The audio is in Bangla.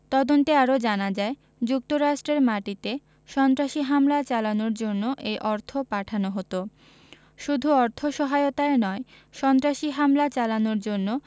তদন্তে আরও জানা যায় যুক্তরাষ্ট্রের মাটিতে সন্ত্রাসী হামলা চালানোর জন্য এই অর্থ পাঠানো হতো শুধু অর্থসহায়তাই নয় সন্ত্রাসী হামলা চালানোর জন্য